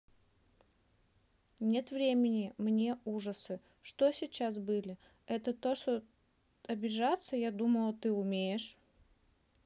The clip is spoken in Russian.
нет верни мне ужасы что сейчас были это то что обижаться я думала ты умеешь